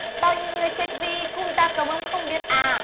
bao nhiêu người chết vì cúm gia cầm ông không biết à